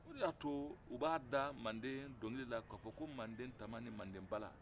o de y'a to b'a da mande dɔnkili la ka fɔ ko mande taman ni mande bala